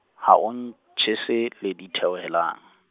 hao ntjese, le ditheohelang.